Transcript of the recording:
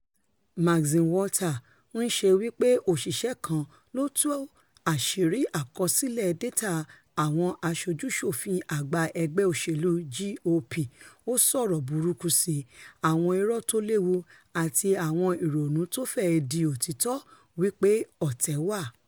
Maxine Walter ńṣẹ́ wí pé òṣìṣẹ́ kan ló tú àṣírí àkọsílẹ̀ dátà àwọn aṣojú-ṣòfin àgbà ẹgbẹ́ òṣèlú GOP, ó sọ̀rọ̀ burúkú sí 'àwọn irọ́ tóléwu' àti 'àwọn ìrònútófẹ́di-òtítọ́ wí pé ọ̀tẹ̀ wà'